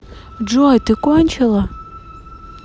джой ты кончила